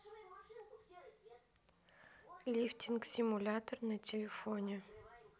лифтинг симулятор на телефоне